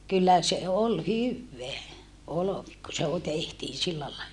kyllä se oli hyvää olvi kun se - tehtiin sillä lailla